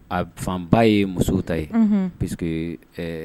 A fanba ye musow ta ye parce que